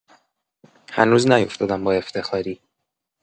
هنوز نیوفتادم با افتخاری